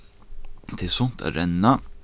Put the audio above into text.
tað er sunt at renna